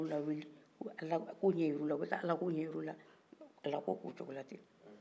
u bɛ ka ala ko ɲɛn jir'u la ka ala ko ɲɛn jir'ula ten